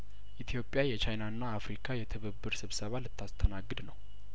ኢትዮጵያ የቻይናና አፍሪካ የትብብር ስብሰባል ታስተናግድ ነው